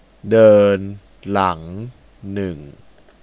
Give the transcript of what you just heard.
เดินหลังหนึ่ง